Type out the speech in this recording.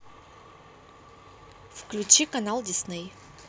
включи канал disney